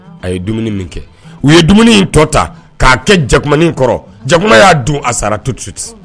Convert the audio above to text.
A ye dumuni min kɛ u ye dumuni in tɔ ta k'a kɛ jakumanin kɔrɔ jakuma y'a dun a sara tout de suite